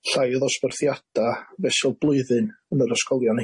llai o ddosbarthiada fesul blwyddyn yn yr ysgolion